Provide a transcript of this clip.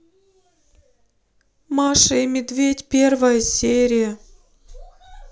маша и медведь первая серия